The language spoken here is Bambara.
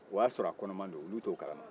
o y'a sɔrɔ a kɔnɔman don olu tɛ a kalaman